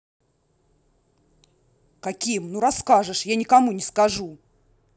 каким ну расскажешь я никому не скажу